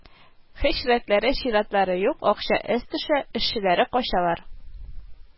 Һич рәтләре-чиратлары юк, акча әз төшә, эшчеләре качалар